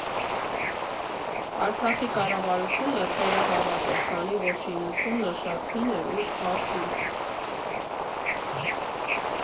Արցախի կառավարությունը թերահավատ էր, քանի որ շինությունը շատ հին էր ու խարխուլ։